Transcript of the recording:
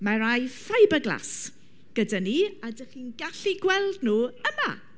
Ma' rai fibreglass gyda ni, a dach chi'n gallu gweld nhw yma!